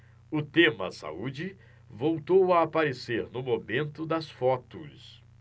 o tema saúde voltou a aparecer no momento das fotos